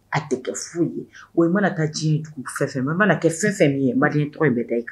A tɛ kɛ foyi ye wa i mana taa jiɲɛ dugu fɛn o fɛn fɛn Madeni tɔgɔ in bɛ taa ye